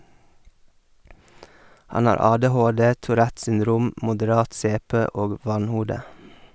Han har ADHD, tourette syndrom, moderat CP og vannhode.